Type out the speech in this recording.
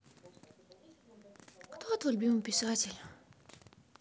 кто твой любимый писатель